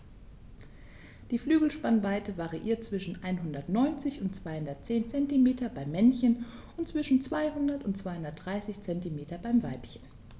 Die Flügelspannweite variiert zwischen 190 und 210 cm beim Männchen und zwischen 200 und 230 cm beim Weibchen.